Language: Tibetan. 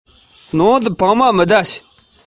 ཨེ རྙེད སྙམ གྱིན ཁོའི རྗེས སུ འགྲོ གི ཡོད